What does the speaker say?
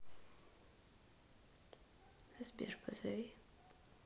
сбер позови